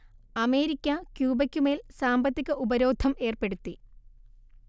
America ക്യൂബക്കുമേൽ സാമ്പത്തിക ഉപരോധം ഏർപ്പെടുത്തി